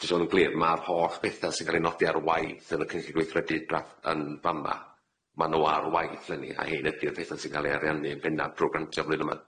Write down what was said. Jys i fod yn glir clir, ma'r holl betha sy'n ca'l 'i nodi ar waith yn y cynllun gweithredu drafft yn fan'ma, ma' n'w ar waith leni, a hein ydi'r petha sy'n ga'l 'i ariannu yn bennaf drw grantia' flwyddyn yma.